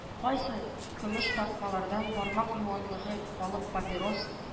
Кайсы көмеш тартмалардан бармак юанлыгы калын папирос